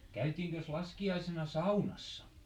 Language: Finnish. käytiinkös laskiaisena saunassa